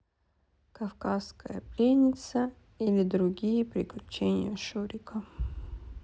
кавказская пленница или другие приключения шурика